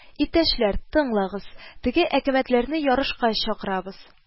Иптәшләр, тыңлагыз, теге әкәмәтләрне ярышка чакырабыз